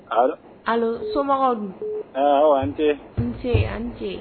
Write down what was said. Allo ! Allo ! somɔgɔw dun? Ɛn! Awa, ani ce. Un se, ani ce.